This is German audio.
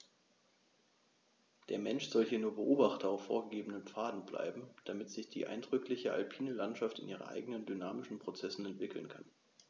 Der Mensch soll hier nur Beobachter auf vorgegebenen Pfaden bleiben, damit sich die eindrückliche alpine Landschaft in ihren eigenen dynamischen Prozessen entwickeln kann.